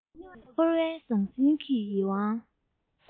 འཁོར བའི ཟང ཟིང གིས ཡིད དབང